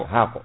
haako